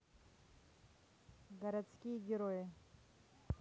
городские герои